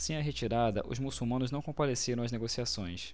sem a retirada os muçulmanos não compareceram às negociações